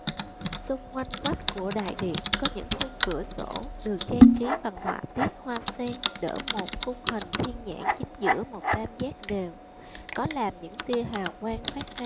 xung quanh vách của đại điện có những khung cửa sổ được trang trí bằng họa tiết hoa sen đỡ một khung hình thiên nhãn chính giữa một tam giác đều có làm những tia hào quang phát ra